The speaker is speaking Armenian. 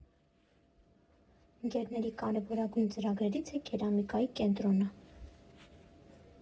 Ընկերների կարևորագույն ծրագրերից է կերամիկայի կենտրոնը։